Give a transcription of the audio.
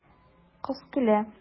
Кыз көлә.